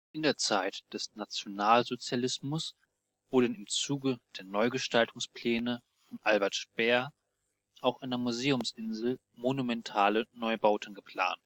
In der Zeit des Nationalsozialismus wurden im Zuge der Neugestaltungspläne von Albert Speer auch an der Museumsinsel monumentale Neubauten geplant. Der